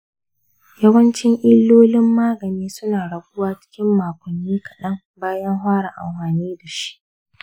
yawancin illolin magani suna raguwa cikin makonni kaɗan bayan fara amfani da shi.